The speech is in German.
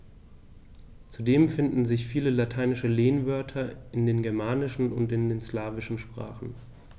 Zudem finden sich viele lateinische Lehnwörter in den germanischen und den slawischen Sprachen.